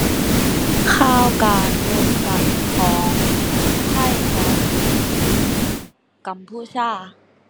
ข่าวการรบกันของไทยกับกัมพูชา